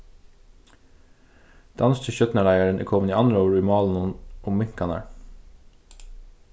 danski stjórnarleiðarin er komin í andróður í málinum um minkarnar